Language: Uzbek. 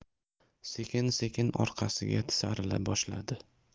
sekin sekin orqasiga tisarila boshladi